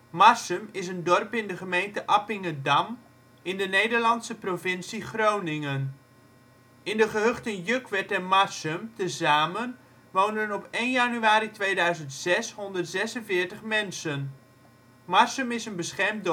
Marsum is een dorp in de gemeente Appingedam, in de Nederlandse provincie Groningen. In de gehuchten Jukwerd en Marsum tezamen woonden op 1 januari 2006 146 mensen. Marsum is een beschermd dorpsgezicht